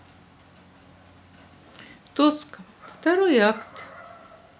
тоска второй акт